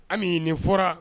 Ami nin fɔra